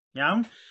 iawn?